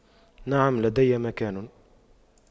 نعم لدي مكان